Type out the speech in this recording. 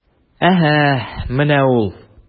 Әһә, менә ул...